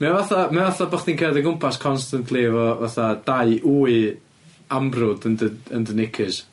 Mae o fatha mae o fatha bod chdi'n cerdded o gwmpas constantly efo fatha dau wy amrwd yn dy yn dy knickers.